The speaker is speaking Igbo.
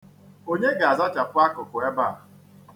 Onye ga-azachapụ akụkụ ebe a?